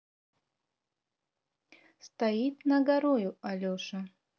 стоит на горою алеша